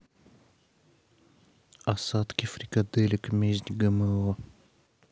осадки фрикаделек месть гмо